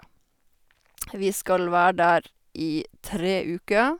Vi skal være der i tre uker.